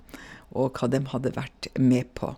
Og hva dem hadde vært med på.